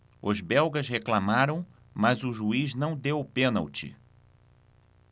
os belgas reclamaram mas o juiz não deu o pênalti